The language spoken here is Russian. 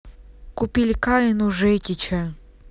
купили кайен у жекича